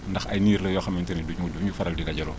ndax ay niir la yoo xamante ni du ñu du ñu faral di dajaloo